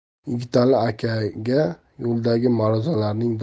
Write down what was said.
yigitali akaga yo'ldagi